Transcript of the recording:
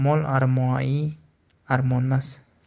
mol armoai armonmas